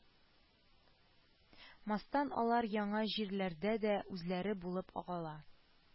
Мастан алар яңа җирләрдә дә үзләре булып кала